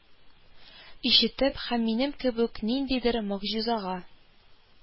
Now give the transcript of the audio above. Ишетеп, һәм минем кебек үк ниндидер могҗизага,